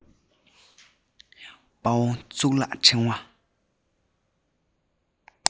དཔའ བོ གཙུག ལག ཕྲེང བ